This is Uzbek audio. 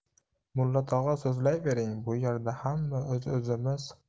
mulla tog'a so'zlayvering bu yerda hamma o'z o'zimiz